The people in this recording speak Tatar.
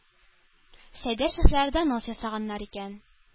Сәйдәшевләр донос ясаганнар икән,